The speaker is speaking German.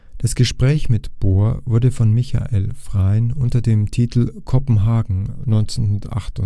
Das Gespräch mit Bohr wurde von Michael Frayn unter dem Titel Kopenhagen (1998